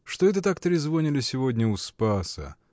— Что это так трезвонили сегодня у Спаса?